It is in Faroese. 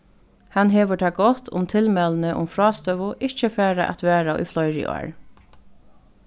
hann hevur tað gott um tilmælini um frástøðu ikki fara at vara í fleiri ár